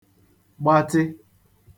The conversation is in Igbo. gbatị